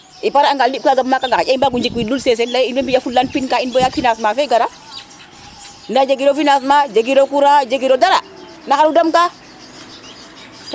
i pare anga liɓ kaga maka nga xaƴa xa i mbaga njik win Lul seseen leye in mboy mbiya fula pin ka in baya financement fe gara nda jegiro financement jegiro courant jegiro dara na xaro dam ka